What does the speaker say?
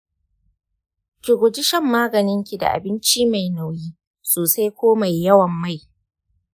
ki guji shan maganinki da abinci mai nauyi sosai ko mai yawan mai.